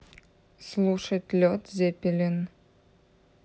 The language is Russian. слушать лед зеппелин